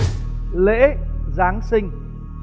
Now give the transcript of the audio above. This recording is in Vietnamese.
lễ giáng sinh